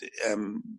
d- yym